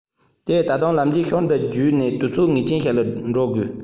དེ ད དུང ལམ རྗེས ཤུལ འདི བརྒྱུད ནས དུས ཚོད ངེས ཅན ཞིག ལ འགྲོ དགོས